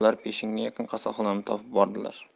ular peshinga yaqin kasalxonani topib bordilar